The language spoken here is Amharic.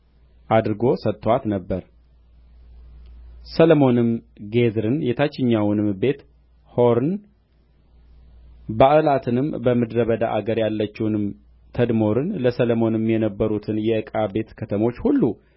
አድርጎ ሰጥቶአት ነበር ሰሎሞንም ጌዝርን የታችኛውንም ቤት ሖሮን ባዕላትንም በምድረ በዳም አገር ያለችውን ተድሞርን ለሰሎሞንም የነበሩትን የዕቃ ቤት ከተሞች ሁሉ